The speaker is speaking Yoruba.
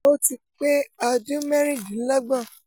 O tí pé ọdún mẹ́rìndínlọ́gbọ̀n.